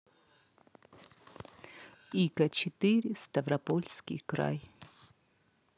ика четыре ставропольский край